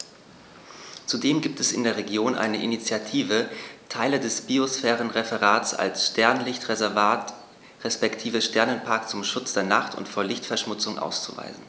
Zudem gibt es in der Region eine Initiative, Teile des Biosphärenreservats als Sternenlicht-Reservat respektive Sternenpark zum Schutz der Nacht und vor Lichtverschmutzung auszuweisen.